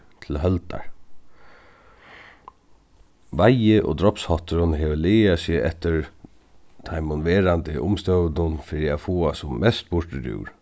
til høldar veiði- og drápshátturin hevur lagað seg eftir teimum verandi fyri at fáa sum mest burturúr